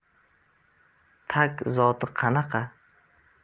tag zoti qanaqa